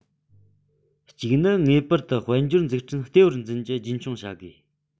གཅིག ནི ངེས པར དུ དཔལ འབྱོར འཛུགས སྐྲུན ལྟེ བར འཛིན རྒྱུ རྒྱུན འཁྱོངས བྱ དགོས